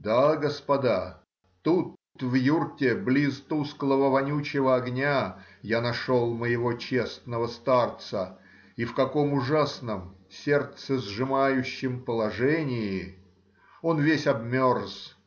Да, господа, тут в юрте, близ тусклого вонючего огня, я нашел моего честного старца, и в каком ужасном, сердце сжимающем положении! Он весь обмерз